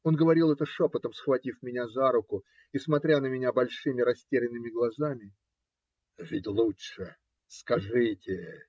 Он говорил это шепотом, схватив меня за руку и смотря на меня большими, растерянными глазами. - Ведь лучше? Скажите!